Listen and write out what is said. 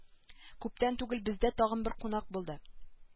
Күптән түгел бездә тагын бер кунак булды